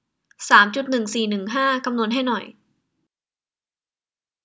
สามจุดหนึ่งสี่หนึ่งห้าคำนวณให้หน่อย